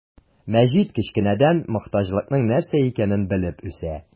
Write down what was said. Мәҗит кечкенәдән мохтаҗлыкның нәрсә икәнен белеп үсә.